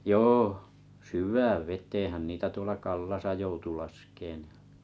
joo syvään veteenhän niitä tuolla Kallassa joutui laskemaan